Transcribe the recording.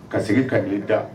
Ka sigi ka' da